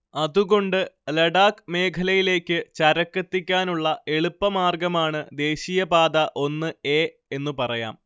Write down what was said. അതുകൊണ്ട് ലഡാക് മേഖലയിലേക്ക് ചരക്കെത്തിക്കാനുള്ള എളുപ്പമാർഗ്ഗമാണ് ദേശീയ പാത ഒന്ന് എ എന്നു പറയാം